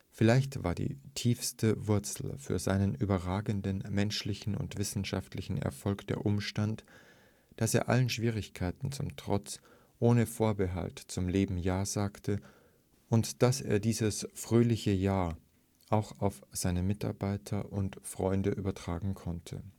Vielleicht war die tiefste Wurzel für seinen überragenden menschlichen und wissenschaftlichen Erfolg der Umstand, dass er allen Schwierigkeiten zum Trotz ohne Vorbehalt zum Leben ' ja ' sagte, und dass er dieses fröhliche Ja auch auf seine Mitarbeiter und Freunde übertragen konnte